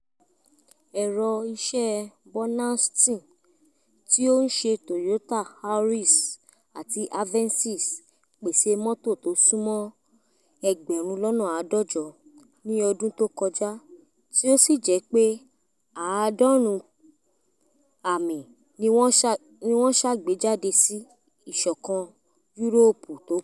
Ẹ̀rọ̀ iṣẹ́ Burnaston - tí ó ń ṣe Toyota Auris àti Avensis - pèsè mọ́tò tó súnmọ́ 150,000 ní ọdún tó kọjá tí ó sì jẹ́ pé 90% ní wọ́n ṣàgbéjáde sí Ìṣọ̀kan Yúròpù tó kù.